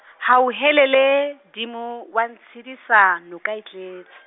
hauhelele Dimo, wa ntshedisa, noka e tletse.